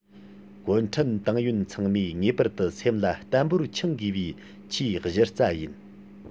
གུང ཁྲན ཏང ཡོན ཚང མས ངེས པར དུ སེམས ལ བརྟན པོར འཆང དགོས པའི ཆེས གཞི རྩ ཡིན